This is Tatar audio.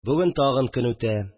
Бүген тагы көн үтә